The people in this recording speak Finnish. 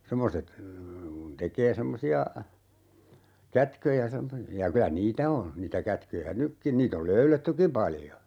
semmoiset kun tekee semmoisia kätköjä ja - ja kyllä niitä on niitä kätköjä nytkin niitä on löydettykin paljon